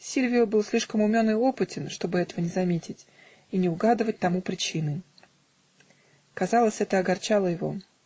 Сильвио был слишком умен и опытен, чтобы этого не заметить и не угадывать тому причины. Казалось, это огорчало его